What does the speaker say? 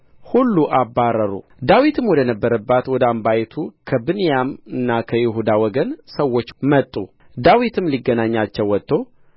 ሁሉ አባረሩ ዳዊትም ወደነበረባት ወደ አምባይቱ ከብንያምና ከይሁዳ ወገን ሰዎች መጡ ዳዊትም ሊገናኛቸው ወጥቶ